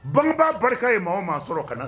Bangeba barika ye maa o maa sɔrɔ ka na